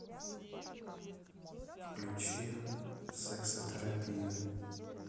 включи сексотерапию